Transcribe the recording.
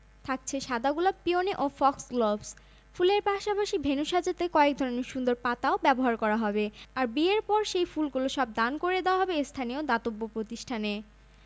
মালিহা ঢুকলো কিন্তু তার মন ভীষণ খারাপ কারণ এবার রেড কার্পেটে কোনো সেলফি তুলতে দেয়নি তাই ঐশ্বরিয়ার সাথে তার সেলফি তোলা হলো না তার মন ভালো করতে হাঁটতে থাকলাম সৈকত ধরে পরিচালক গিল্ডের লাউঞ্জের দিকে